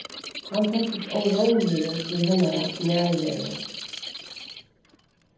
hann tóktist óróligur í hennara nærveru